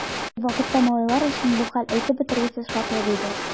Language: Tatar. Ул вакытта малайлар өчен бу хәл әйтеп бетергесез шатлык иде.